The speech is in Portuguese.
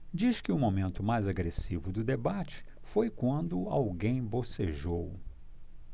diz que o momento mais agressivo do debate foi quando alguém bocejou